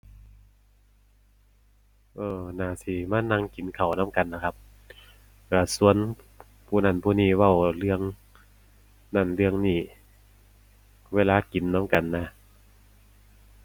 เออ น่าสิมานั่งกินข้าวนำกันนะครับ ก็ก็ผู้นั้นผู้นี้เว้าเรื่องนั้นเรื่องนี้ เวลากินนำกันนะ